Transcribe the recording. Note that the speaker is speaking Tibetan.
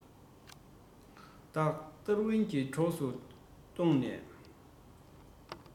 བདག ཏར ཝུན གྱི གྲོགས སུ བསྡོངས ནས